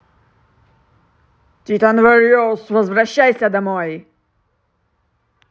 titan various возвращайся домой